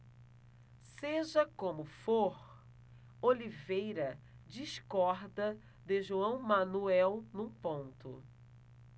seja como for oliveira discorda de joão manuel num ponto